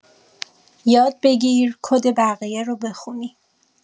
یاد بگیر کد بقیه رو بخونی.